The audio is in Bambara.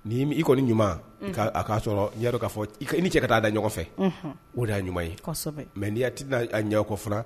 Nin kɔni ɲuman ,unhun, a k'a sɔrɔ n'i y'a don k'a fɔ, i ni cɛ ka taa a da ɲɔgɔn fɛ, unhun, o de y'a ɲuman ye kosɛbɛ mais _ n'i ti na ɲ'a kɔ fana